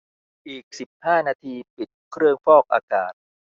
อีกสิบห้านาทีปิดเครื่องฟอกอากาศ